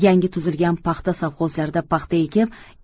yangi tuzilgan paxta sovxozlarida paxta ekib